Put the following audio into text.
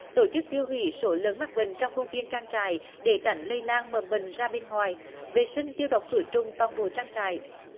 tổ chức tiêu hủy số lợn mắc bệnh trong khuôn viên trang trại để tránh lây lan mầm bệnh ra bên ngoài vệ sinh tiêu độc khử trùng toàn bộ trang trại